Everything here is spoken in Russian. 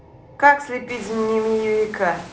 как слепить змеевика